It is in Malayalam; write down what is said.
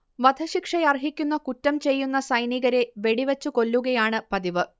വധശിക്ഷയർഹിക്കുന്ന കുറ്റം ചെയ്യുന്ന സൈനികരെ വെടിവച്ച് കൊല്ലുകയാണ് പതിവ്